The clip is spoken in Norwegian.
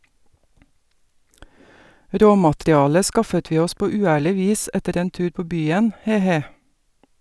Råmaterialet skaffet vi oss på uærlig vis etter en tur på byen, he he.